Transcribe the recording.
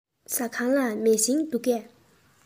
ཟ ཁང ལ མེ ཤིང འདུག གས